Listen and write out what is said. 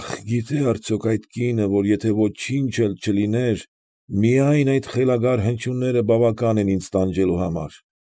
Ախ, գիտե արդյոք այդ կինը, որ եթե ոչինչ էլ չլիներ, միայն այդ խելագար հնչյունները բավական են ինձ տանջելու համար։